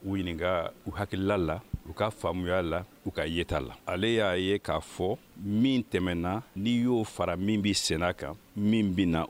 U ɲininka u hakilila la u ka faamuyaya la u ka yɛlɛmataa la ale y'a ye k'a fɔ min tɛmɛna ni y'o fara min bɛ sen a kan min bɛ na